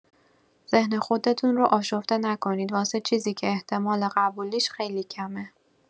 ذهن خودتون رو آشفته نکنید واسه چیزی که احتمال قبولیش خیلی کمه!